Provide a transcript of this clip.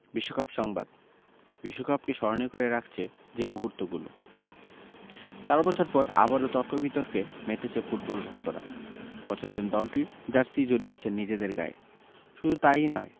বিশ্বকাপ সংবাদ বিশ্বকাপকে স্মরণীয় করে রাখছে যে মুহূর্তগুলো চার বছর পর আবারও তর্ক বিতর্কে মেতেছেন ফুটবল ভক্তরা পছন্দের দলটির জার্সি জড়িয়েছেন নিজেদের গায়ে শুধু তা ই নয়